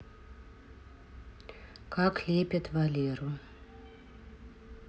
как лепят валеру